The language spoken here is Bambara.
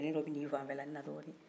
i bɛ dɔ ɲɛ sɔrɔ a ko kɔnɔla la